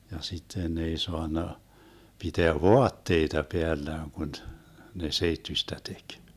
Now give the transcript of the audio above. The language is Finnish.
ja sitten ne ei saanut pitää vaatteita päällään kun ne seittyistä teki